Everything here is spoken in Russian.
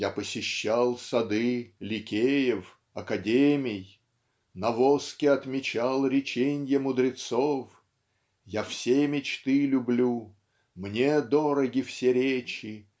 Я посещал сады Ликеев, Академий, На воске отмечал реченья мудрецов. Я все мечты люблю мне дороги все речи